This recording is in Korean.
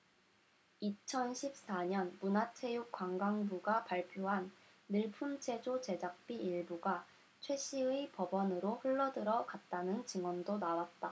이천 십 사 년 문화체육관광부가 발표한 늘품체조 제작비 일부가 최씨의 법인으로 흘러들어 갔다는 증언도 나왔다